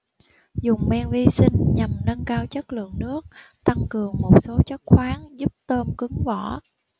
dùng men vi sinh nhằm nâng cao chất lượng nước tăng cường một số chất khoáng giúp tôm cứng vỏ